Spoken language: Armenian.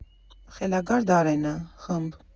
Խելագար Դարենը ֊ խմբ.